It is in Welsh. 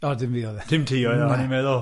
O, dim fi oedd e. Dim ti oedd o, o'n i'n meddwl.